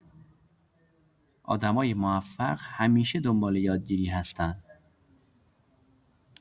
آدمای موفق همیشه دنبال یادگیری هستن.